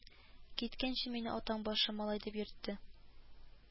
Киткәнче мине атаң башы малай дип йөртте